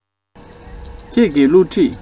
ཁྱེད ཀྱི བསླུ བྲིད